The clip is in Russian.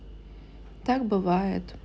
так бывает